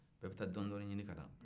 bɛɛ bɛ taa dɔɔnin ɲinin ka na